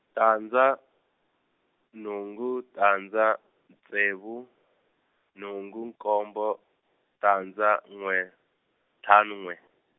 tandza nhungu tandza ntsevu nhungu nkombo tandza n'we ntlhanu n'we.